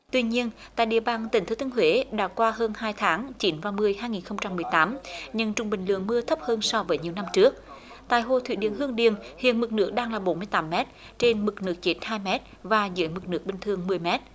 tuy nhiên tại địa bàn tỉnh thừa thiên huế đã qua hơn hai tháng chín và mười hai nghìn không trăm mười tám nhưng trung bình lượng mưa thấp hơn so với nhiều năm trước tại hồ thủy điện hương điền hiện mực nước đang là bốn mươi tám mét trên mực nước chết hai mét và dưới mực nước bình thường mười mét